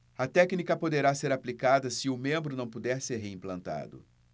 a técnica poderá ser aplicada se o membro não puder ser reimplantado